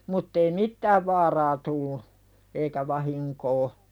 mutta ei mitään vaaraa tullut eikä vahinkoa